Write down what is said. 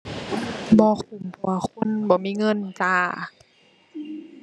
บ่คุ้ม เพราะว่าคนบ่มีเงินจ้า